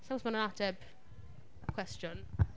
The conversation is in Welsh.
Sa i’n gwbod os ma' hwnna’n ateb y cwestiwn.